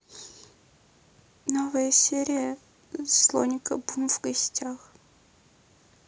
новая серия слоника бум в гостях